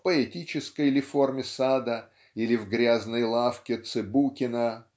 в поэтической ли форме сада или в грязной лавке Цыбукина